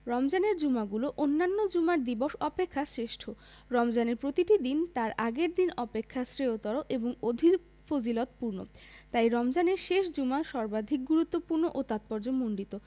রমজানের জুমাগুলো অন্যান্য জুমার দিবস অপেক্ষা শ্রেষ্ঠ রমজানের প্রতিটি দিন তার আগের দিন অপেক্ষা শ্রেয়তর এবং অধিক ফজিলতপূর্ণ তাই রমজানের শেষ জুমা সর্বাধিক গুরুত্বপূর্ণ ও তাৎপর্যমণ্ডিত